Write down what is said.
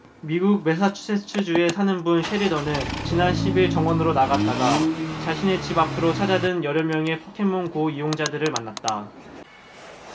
미국 매사추세츠주에 사는 분 셰리던은 지난 십 일 정원으로 나갔다가 자신의 집 앞으로 찾아든 열 여명의 포켓몬 고 이용자들을 만났다